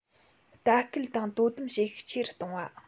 ལྟ སྐུལ དང དོ དམ བྱེད ཤུགས ཆེ རུ གཏོང བ